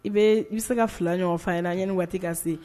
I bɛ i bɛ se ka fila ɲɔgɔnfan ye' ɲiniani waati ka se